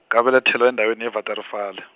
ngabelethelwa endaweni ye- Waterval.